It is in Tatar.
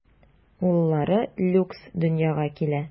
Уллары Люкс дөньяга килә.